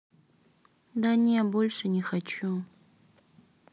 да не больше не хочу